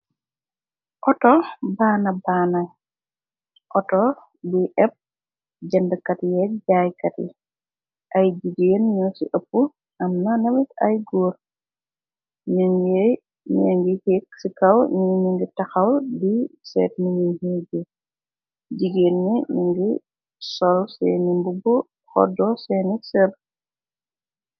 Auto baana bana auto buy épp jëndkat yeek jaaykati ay jigéen ñoo ci ëpp amna nawit ay góor ñi ngi xéek ci kaw ni ni ngi taxaw di seet ninuñ héggé jigéen ni ningi sol seeni mbubu hoddo seeni sër.